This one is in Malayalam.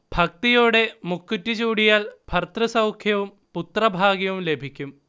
ഭക്തിയോടെ മുക്കുറ്റി ചൂടിയാൽ ഭർതൃസൗഖ്യവും പുത്രഭാഗ്യവും ലഭിക്കും